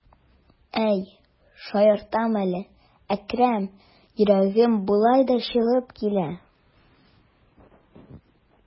Әй, шаяртма әле, Әкрәм, йөрәгем болай да чыгып килә.